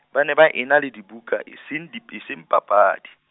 ba ne ba ena le dibuka e seng dit-, e seng papadi.